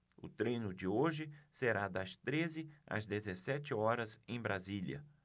o treino de hoje será das treze às dezessete horas em brasília